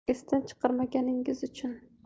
esdan chiqarmaganingiz uchun